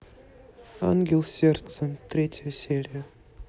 ангел сердца третья серия